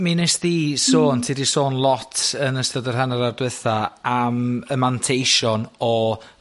...mi wnest ti sôn, ti 'di sôn lot yn ystod yr hanner awr dwetha am y manteision o